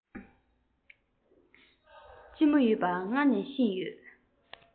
ལྕི མོ ཡོད པ སྔར ནས ཤེས ཡོད